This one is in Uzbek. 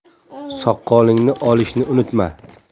soqolingni olishni unutma